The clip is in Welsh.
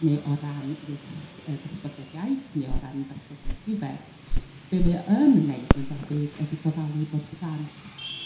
neu o ran ieith- yrr datblygiad iaith neu o ran datblygiad rhifeg be' mae o yn wneud ma'n debyg ydi gofalu bod plant